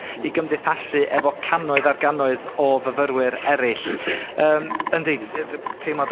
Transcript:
i gymdeithasu efo cannoedd ar gannoedd o fyfyrwyr eryll. Yym, yndi, yy d- teimlad...